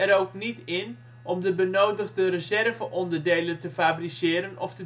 ook niet in om de benodigde reserveonderdelen te fabriceren of